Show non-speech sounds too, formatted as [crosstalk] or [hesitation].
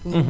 [hesitation] [hesitation]